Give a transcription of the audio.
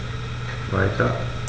Weiter.